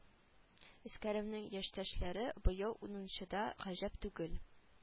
Әскәревнең яшьтәшләре быел унынчыда гаҗәп түгел